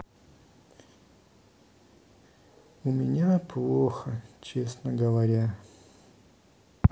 у меня плохо честно говоря